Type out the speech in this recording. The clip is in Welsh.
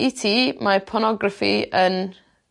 I ti mae pornograffi yn